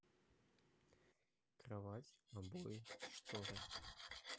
кровать обои шторы